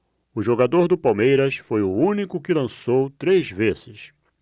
o jogador do palmeiras foi o único que lançou três vezes